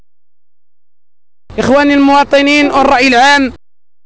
اخواني المواطنين و الراي العام